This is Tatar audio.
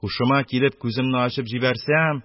Кушыма килеп, күземне ачып җибәрсәм,